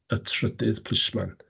Y trydydd plismon.